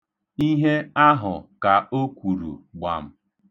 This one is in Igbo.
Ihe ahụ ka o kwuru, gbam.